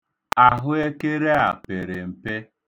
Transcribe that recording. Ahụekere a pere mpe.